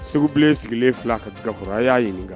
Segubilen sigilen fila ga kɔrɔ y'a ɲininka